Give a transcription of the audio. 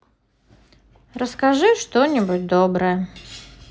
расскажи что нибудь доброе